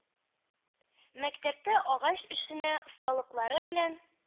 Мәктәптә агач эшенә осталыклары белән